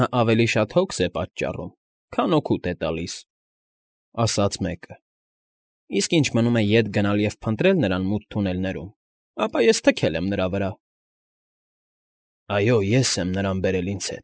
Նա ավելի շատ հոգս է պատճառում, քան օգուտ է տալիս,֊ ասաց մեկը։֊ Իսկ ինչ մնում է ետ գնալ և փնտրել նրան մութ թունելներում, ապա ես թքել եմ նրա վրա… ֊ Այո, ես եմ նրան բերել ինձ։